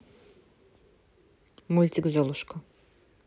мультик золушка